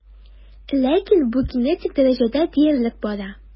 Ләкин бу генетик дәрәҗәдә диярлек бара.